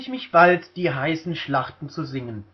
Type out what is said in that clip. mich bald, die heißen Schlachten zu singen